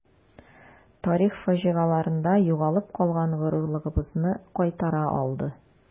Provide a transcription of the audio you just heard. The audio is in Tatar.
Тарих фаҗигаларында югалып калган горурлыгыбызны кайтара алды.